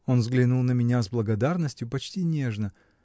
Он взглянул на меня с благодарностью, почти нежно.